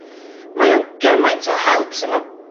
Mae o'n gymaint o help so ma'